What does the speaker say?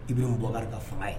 Ibrim Boicar ka fanga ye